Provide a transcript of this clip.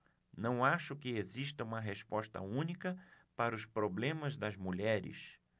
não acho que exista uma resposta única para os problemas das mulheres